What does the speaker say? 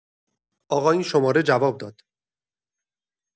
آقا این شماره جواب داد.